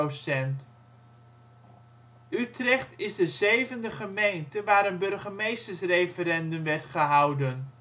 stemmen). Utrecht is de zevende gemeente waar een burgemeestersreferendum werd gehouden